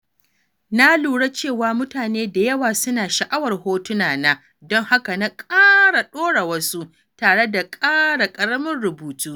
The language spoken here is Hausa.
Na lura cewa mutane da yawa suna sha’awar hotuna na, don haka na ƙara ɗora wasu, tare da ƙara ƙaramin rubutu.